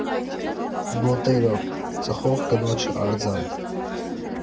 Բոտերո, Ծխող կնոջ արձան։